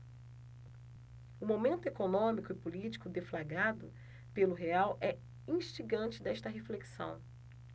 o momento econômico e político deflagrado pelo real é instigante desta reflexão